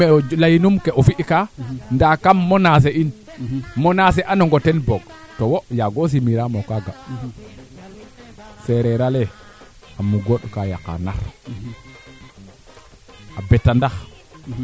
bon a maya de Djiby ga'a bo i ndet na bo roog fee simid to'a soɓ calel ke ndetee fen xam ne'in yaam i ne'aan ne'a ti nin ndaa xam mbaat no ne